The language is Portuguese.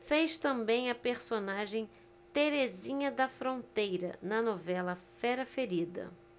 fez também a personagem terezinha da fronteira na novela fera ferida